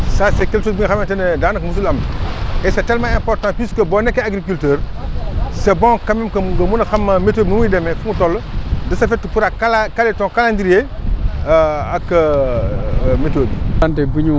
ça c' est quelque chose bi nga xamante ne daanaka musu fi am te c' est tellement important puisque boo nekkee agriculteur c' est bon quant même que nga mun a xam météo bi nu muy demee fu mu toll de ce fait tu pourras caler ton calendrier ak météo bi